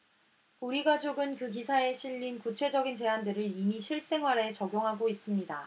우리 가족은 그 기사에 실린 구체적인 제안들을 이미 실생활에 적용하고 있습니다